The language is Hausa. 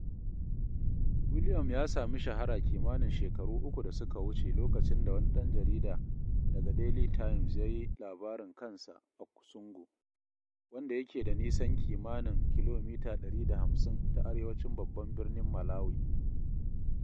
William ya samu shahara kimanin shekaru uku da suka wuce lokacin da wani ɗan jarida daga Daily Times ya yi labarin kansa a Kasungu, wanda yake da nisan kimanin kilomita 150 ta arewacin babban birnin Malawi.